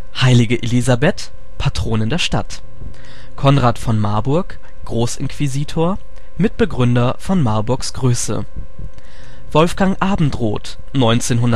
Heilige Elisabeth - Patronin der Stadt Konrad von Marburg - Großinquisitor, Mitbegründer von Marburgs Größe Wolfgang Abendroth (1906